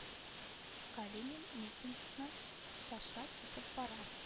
Калинин митингны ташлап китеп бара